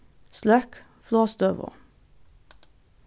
sløkk flogstøðu